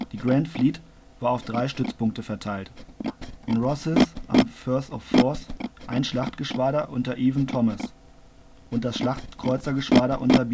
Die Grand Fleet war auf drei Stützpunkte verteilt: in Rosyth am Firth of Forth ein Schlachtgeschwader unter Evan-Thomas und das Schlachtkreuzergeschwader unter Beatty